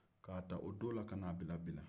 k'a ta o don na ka n'a bila bila